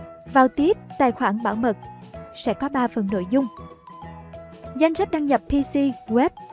các bạn vào tài khoản bảo mật sẽ có phần nội dung danh sách đăng nhập pc web